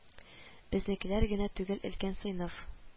Безнекеләр генә түгел, өлкән сыйныф